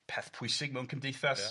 peth pwysig mewn cymdeithas